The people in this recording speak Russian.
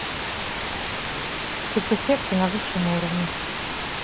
спецэффекты на высшем уровне